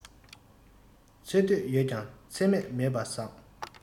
ཚེ སྟོད ཡོད ཀྱང ཚེ སྨད མེད པ མང